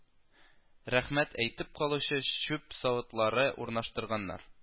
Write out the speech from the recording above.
Рәхмәт әйтеп калучы чүп савытлары урнаштырганнар